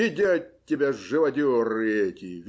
Едят тебя живодеры эти.